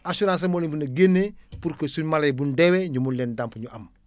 assurance rek moo leen mën a génnee pour que suñu mala yi buñ deewee ñu mun leen dàmp ñu am